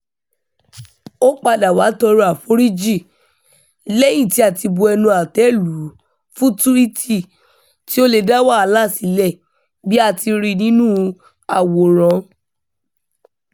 Ó padà wá á tọrọ àforíjì, lẹ́yìn tí a ti bu ẹnu àtẹ́ lù ú, fún túwíìtì "tí ó lè dá wàhálà sílẹ̀ " bí a ti rí i nínú Àwòrán.